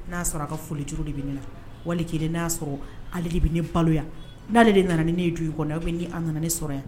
N'a sɔrɔ a ka foli juru de bɛ ne na, wali kelen n y'a sɔrɔ ale de bɛ ne baloyan, n'ale de nana ni ne ye du ni kɔnɔ yan ou bien ni a nana ne sɔrɔ yan.